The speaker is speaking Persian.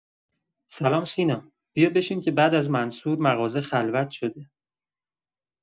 سلام سینا، بیا بشین که بعد از منصور مغازه خلوت شده.